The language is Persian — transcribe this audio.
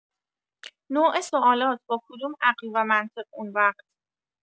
نوع سوالات با کدوم عقل و منطق اونوقت؟